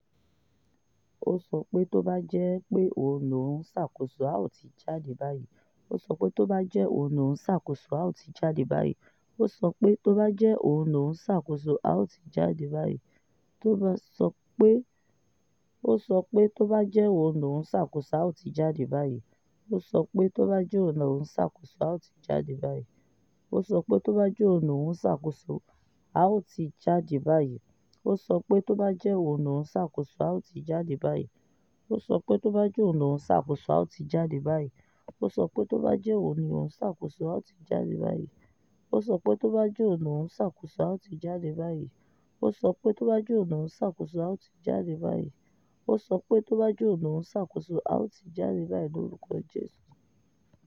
Ó sọ pé, tó bá jẹ́ pé òun ló ṣàkóso, a o ti jáde báyìí.